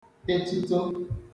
etuto